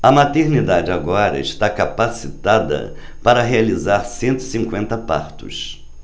a maternidade agora está capacitada para realizar cento e cinquenta partos